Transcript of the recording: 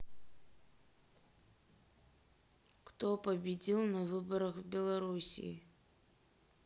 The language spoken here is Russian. кто победил на выборах в белоруссии